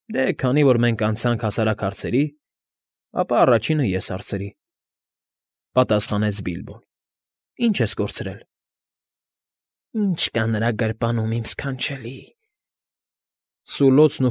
Դե, քանի որ մենք անցանք հասարակ հարցերի, ապա առաջինը ես հարցրի,֊ պատասխանեց Բիլբոն։֊ Ի՞նչ ես կորցրել։ ֊ Ի՞նչ կա նրա գրպանում, իմ ս֊ս֊սքանչելի։֊ Սուլոցն։